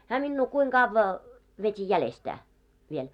hän minua kuinka kauan veti jäljestään vielä